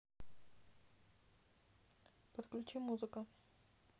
подключи музыка